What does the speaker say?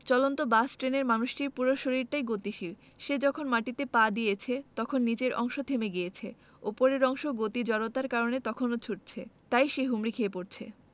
চলন্ত বাস ট্রেনের মানুষটির পুরো শরীরটাই গতিশীল সে যখন মাটিতে পা দিয়েছে তখন নিচের অংশ থেমে গিয়েছে ওপরের অংশ গতি জড়তার কারণে তখনো ছুটছে তাই সে হুমড়ি খেয়ে পড়ছে